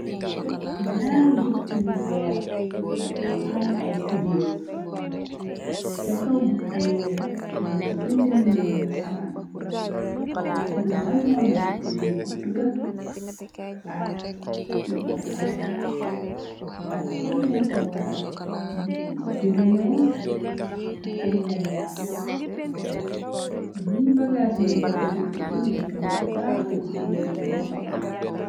Ñaari gutt yu weer yu xam ay kubiir ca kaw gut yooya ñoom fa bend mbindam na saraan turu lan moo nekk ci biir gut ga ak fuñ pa defaree ak keñ leen ko wara jëri ñoo ak keñ leen yàkqu yi bagaas yu nekk ci gutti ki nekk na yu baax te jige nedeen kay soxla.